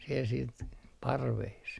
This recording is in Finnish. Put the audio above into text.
siellä sitten parvessa